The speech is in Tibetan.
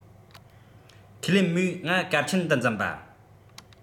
ཁས ལེན མོས ང གལ ཆེན དུ འཛིན པ